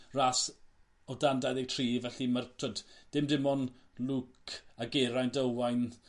ras o dan dau ddeg tri felly ma'r t'wod dim dim on' Luke a Geraint Owain